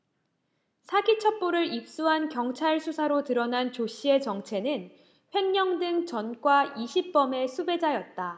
사기 첩보를 입수한 경찰 수사로 드러난 조씨의 정체는 횡령 등 전과 이십 범의 수배자였다